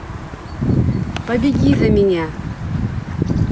побеги за меня